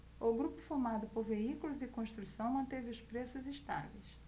o grupo formado por veículos e construção manteve os preços estáveis